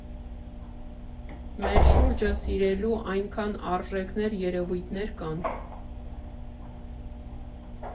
Մեր շուրջը սիրելու այնքան արժեքներ, երևույթներ կան…